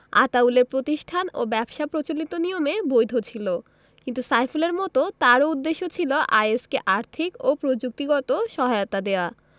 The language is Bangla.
আতাউলের প্রতিষ্ঠান ও ব্যবসা প্রচলিত নিয়মে বৈধ ছিল কিন্তু সাইফুলের মতো তারও উদ্দেশ্য ছিল আইএস কে আর্থিক ও প্রযুক্তিগত সহায়তা দেওয়া